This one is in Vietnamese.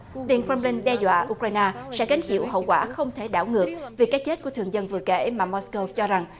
đinh phân linh đe dọa u cờ rai na sẽ gánh chịu hậu quả không thể đảo ngược về cái chết của thường dân vừa kể mà mốt câu cho rằng